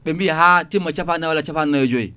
ɓe mbi ha timma capannayyi walla capannayyi e joyyi